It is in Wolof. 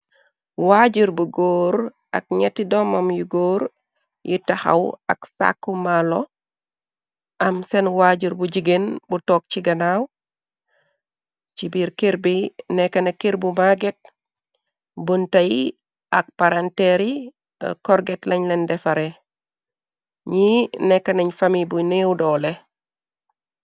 waajur bu góor ak ñetti domam yu góor yu taxaw ak sàkku màllo am seen waajur bu jigeen bu tokg ci ganaaw ci biir kir bi nekkana kir bu maaget buntey ak paranteer i korget lañ leen defare ñi nekkanañ fami bu neew doole